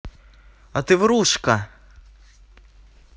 а ты врушка